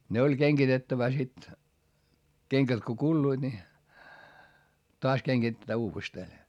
ne oli kengitettävä sitten kengät kun kuluivat niin taas kengitetään uudestaan